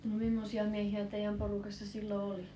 no mimmoisia miehiä teidän porukassa silloin oli